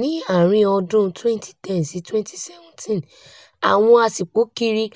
Ni àárín-n ọdún-un 2010-2017, àwọn aṣípòkiri